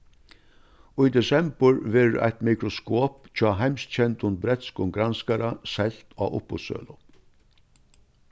í desembur verður eitt mikroskop hjá heimskendum bretskum granskara selt á uppboðssølu